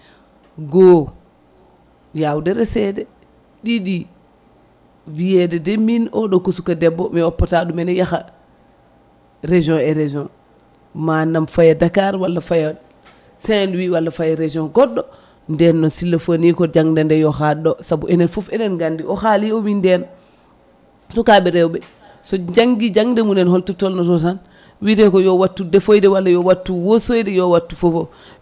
goo yawde resede ɗiɗi wiyedede lin oɗo ko suka debbo mi woppata ɗum ene yaaha région e région manan faya Dakar walla faya Saint-louis walla faya région goɗɗo nden noon s' il le faut ni ko jangde de yo hatɗo saabu enen foof eɗen gandi o haali o wi nden sukaɓa rewɓe so janggui jangde mumen holto tolno tan wite ko wattu defoyde walla yo wattu wosoyde yo wattu fofoof